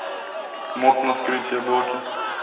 мод на скрытые блоки